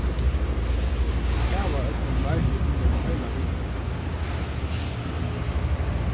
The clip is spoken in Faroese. kavaódnin vardi í eina heila viku